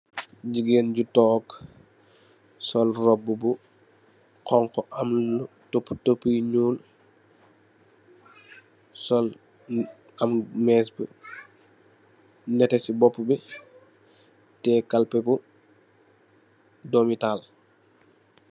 Jigéen ju toog robbu honku am tupu-tupu yu ñuul, sol am mess bu nètè ci boppu bi, tè kalpeh bu doomital.